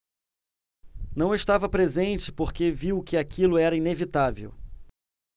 não estava presente porque viu que aquilo era inevitável